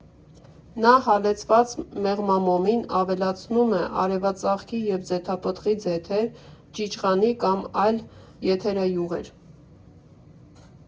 Նա հալեցրած մեղմամոմին ավելացնում է արևածաղկի և ձիթապտղի ձեթեր, չիչխանի կամ այլ եթերայուղեր։